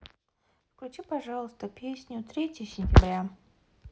включи пожалуйста песню третье сентября